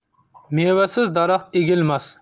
mevasiz daraxt egilmas